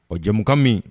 O jamukan min